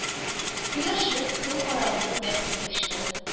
Кояш юк, көн караңгы, бәхтем очты